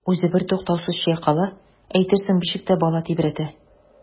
Үзе бертуктаусыз чайкала, әйтерсең бишектә бала тибрәтә.